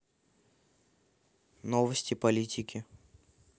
новости политики